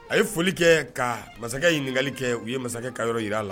A ye foli kɛ ka masakɛ ɲinikali kɛ . U ye masakɛ ka yɔrɔ jira a la.